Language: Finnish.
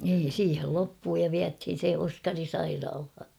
niin siihen loppui ja vietiin se Oskari sairaalaan